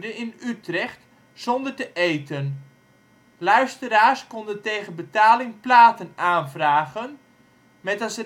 in Utrecht, zonder te eten. Luisteraars konden tegen betaling platen aanvragen, met als